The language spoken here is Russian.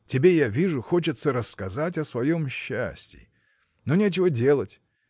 Тебе, я вижу, хочется рассказать о своем счастии. Ну, нечего делать.